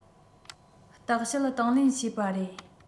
བརྟག དཔྱད དང ལེན བྱས པ རེད